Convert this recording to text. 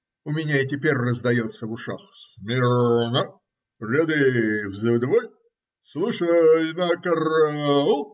У меня и теперь раздается в ушах: - Смиррно!. Ряды вздво-ой! Слушай, на кра-аул!